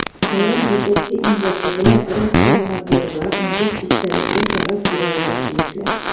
Алар җитәкче имзасы белән Роскомнадзорга мондый эчтәлекле кәгазь җибәрергә тиешләр: